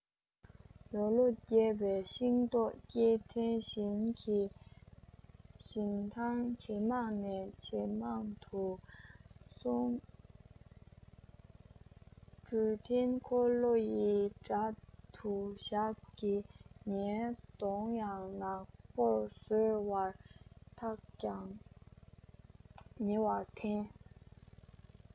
གཡོ ལོ རྒྱས པའི ཤིང ཏོག སྐེས ཐེམ བཞིན གྱི ཞིང ཐང ཇེ མང ནས ཇེ མང དུ སོང འདྲུད འཐེན འཁོར ལོའི ཐ ཐ ཡི སྒྲ དུ ཞགས ཀྱིས ངའི གདོང ཡང ནག པོར བཟོས བར ཐག ཀྱང ཉེ བར འཐེན